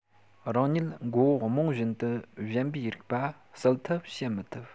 རང ཉིད མགོ བོ རྨོངས བཞིན དུ གཞན པའི རིག པ གསལ ཐབས བྱེད མི ཐུབ